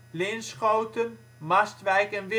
Linschoten Mastwijk Willeskop